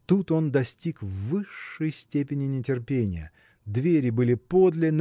Тут он достиг высшей степени нетерпения двери были подле